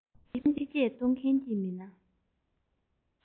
འཇིག རྟེན འདི འཕེལ རྒྱས གཏོང མཁན གྱི མི སྣ